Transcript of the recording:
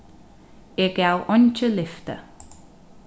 eg gav eingi lyfti